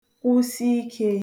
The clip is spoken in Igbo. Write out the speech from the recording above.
kwụsi ikē